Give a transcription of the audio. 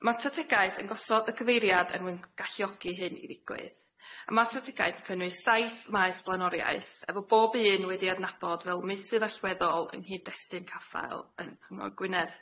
Ma' strategaeth yn gosod y gyfeiriad yng ngwy- galluogi hyn i ddigwydd a ma' strategaeth cynnwys saith maes blaenoriaeth efo bob un wedi adnabod fel meysydd allweddol yng nghyd-destun caffael yn Llanfair Gwynedd.